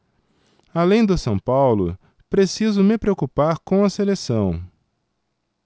além do são paulo preciso me preocupar com a seleção